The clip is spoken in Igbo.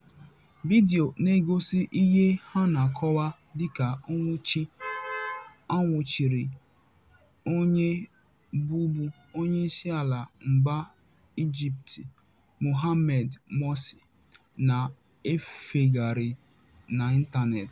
Vidiyo na-egosi ihe a na-akọwa dịka nnwuchi anwuchiri onye bụbu onyeisiala mba Ijipt Mohamed Morsi na-efegharị n'ịntanetị.